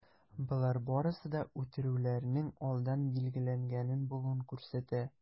Болар барысы да үтерүләрнең алдан билгеләнгән булуын күрсәтә.